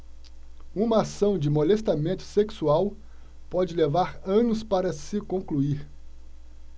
uma ação de molestamento sexual pode levar anos para se concluir